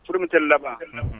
Pmetɛeli laban